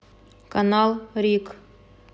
канал рик